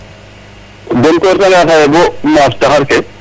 Donc a reta bo xaye o maaf taxar ke